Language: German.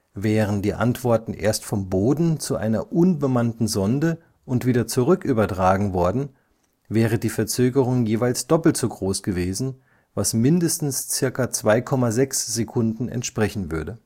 Wären die Antworten erst vom Boden zu einer unbemannten Sonde und wieder zurückübertragen worden, wäre die Verzögerung jeweils doppelt so groß gewesen, was mindestens circa 2,6 Sekunden entsprechen würde